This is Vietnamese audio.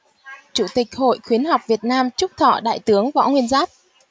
chủ tịch hội khuyến học việt nam chúc thọ đại tướng võ nguyên giáp